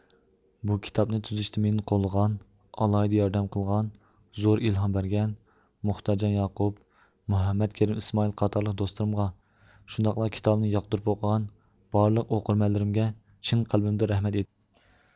بۇ كىتابنى تۈزۈشتە مېنى قوللىغان ئالاھىدە ياردەم قىلغان زور ئىلھام بەرگەن مۇختەرجان ياقۇپ مۇھەممەد كېرەم ئىسمائىل قاتارلىق دوستلىرىمغا شۇنداقلا كىتابىمنى ياقتۇرۇپ ئوقۇغان بارلىق ئوقۇرمەنلىرىمگە چىن قەلبىمدىن رەھمەت ئېيتىمەن